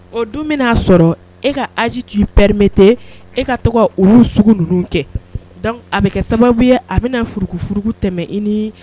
O dun bɛn'a sɔrɔ e ka âge t'i permettez e ka to ka olu sugu ninnu kɛ donc a bɛ kɛ sababu ye a bɛna furukufuruku tɛmɛ i ni